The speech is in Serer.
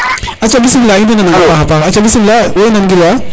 aca bismila in way nanang a paxa paax bismila wo i nan gilwa